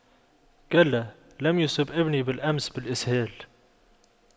كلا لم يصب ابني بالأمس بالإسهال